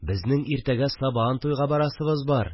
Безнең иртәгә сабантуйга барасыбыз бар